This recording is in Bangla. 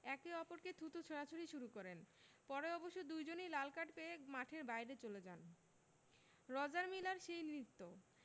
একে অপরকে থুতু ছোড়াছুড়ি শুরু করেন পরে অবশ্য দুজনই লাল কার্ড পেয়ে মাঠের বাইরে চলে যান রজার মিলার সেই নৃত্য